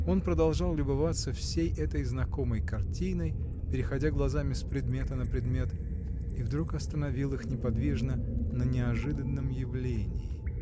Он продолжал любоваться всей этой знакомой картиной, переходя глазами с предмета на предмет, и вдруг остановил их неподвижно на неожиданном явлении.